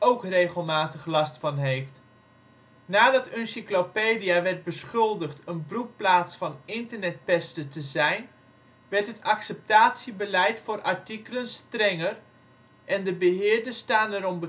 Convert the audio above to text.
ook regelmatig last van heeft. Nadat Uncyclopedia werd beschuldigd een broedplaats van internetpesten te zijn werd het acceptatiebeleid voor artikelen strenger, en de beheerders staan er om